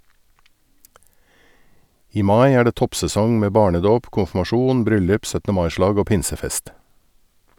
I mai er det toppsesong med barnedåp, konfirmasjon, bryllup, 17. mai-slag og pinsefest.